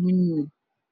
mu ñuul.